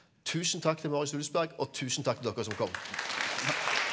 tusen takk til Marius Wulfsberg og tusen takk til dere som kom.